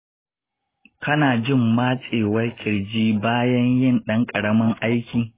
kana jin matsewar ƙirji bayan yin ɗan ƙaramin aiki?